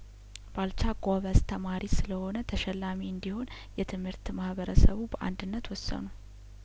ባልቻ ጐበዝ ተማሪ ስለሆነ ተሸላሚ እንዲሆን የትምህርት ማህበረሰቡ በአንድነት ወሰኑ